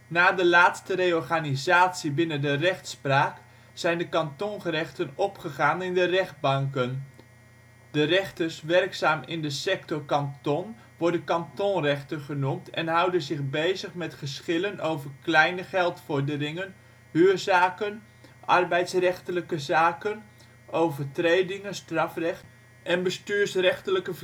Na de laatste reorganisatie binnen de rechtspraak zijn de kantongerechten opgegaan in de rechtbanken. De rechters werkzaam in de sector kanton worden kantonrechter genoemd en houden zich bezig met geschillen over kleine geldvorderingen, huurzaken, arbeidsrechtelijke zaken, overtredingen (strafrecht) en bestuursrechtelijke